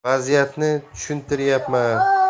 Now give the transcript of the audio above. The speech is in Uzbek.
vaziyatni tushuntiryapman